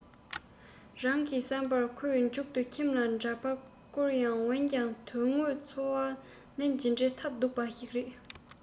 རིང གི བསམ པར ཁོས མཇུག ཏུ ཁྱིམ ལ འདྲ པར བསྐུར ཡང འོན ཀྱང དོན དངོས འཚོ བ ནི ཇི འདྲའི ཐབས སྡུག པ ཞིག རེད